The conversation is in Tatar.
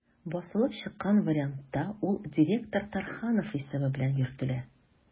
Басылып чыккан вариантта ул «директор Тарханов» исеме белән йөртелә.